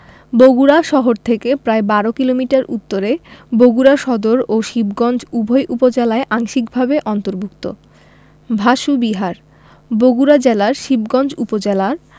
বগুড়া শহর থেকে প্রায় ১২ কিলোমিটার উত্তরে বগুড়া সদর ও শিবগঞ্জ উভয় উপজেলায় আংশিকভাবে অন্তর্ভুক্ত ভাসু বিহার বগুড়া জেলার শিবগঞ্জ উপজেলার